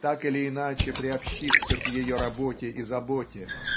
так или иначе приобщиться к ее работе и заботе.